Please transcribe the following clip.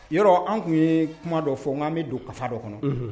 Yɔrɔ anw tun ye kuma dɔ fɔ n'an bɛ don ka dɔ kɔnɔ